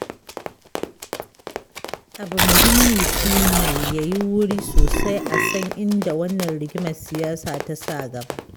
Abu muhimmi shi ne, ya yi wuri sosai a san inda wannan rigimar siyasa ta sa gaba.